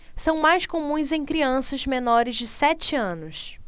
são mais comuns em crianças menores de sete anos